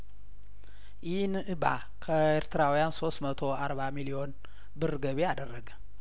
ኢንባ ከኤርትራውያን ሶስት መቶ አርባ ሚሊዮን ብር ገቢ አደረገ